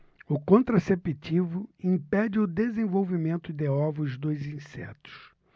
o contraceptivo impede o desenvolvimento de ovos dos insetos